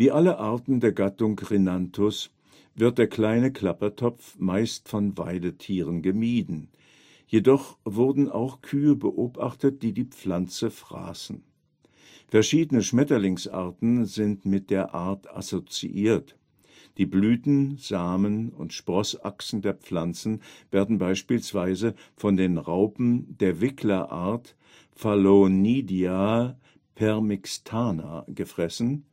alle Arten der Gattung Rhinanthus wird der Kleine Klappertopf meist von Weidetieren gemieden, jedoch wurden auch Kühe beobachtet, die die Pflanze fraßen. Verschiedene Schmetterlingsarten sind mit der Art assoziiert. Die Blüten, Samen und Sprossachsen der Pflanzen werden beispielsweise von den Raupen der Wickler-Art Phalonidia permixtana gefressen